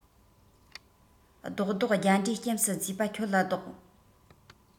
བཟློག བཟློག རྒྱ འདྲེ སྐྱེམས སུ བརྫུས པ ཁྱོད ལ བཟློག